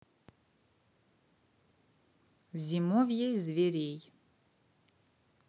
зимовье зверей